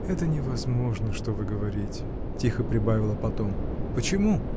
— Это невозможно, что вы говорите! — тихо прибавила потом. — Почему?